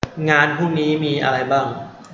งานพรุ่งนี้มีอะไรบ้าง